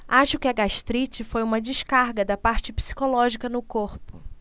acho que a gastrite foi uma descarga da parte psicológica no corpo